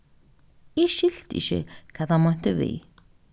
eg skilti ikki hvat hann meinti við